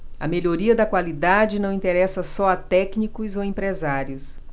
a melhoria da qualidade não interessa só a técnicos ou empresários